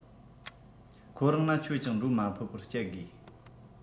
ཁོ རང ན ཁྱོད ཀྱང འགྲོ མ ཕོད པར བསྐྱལ དགོས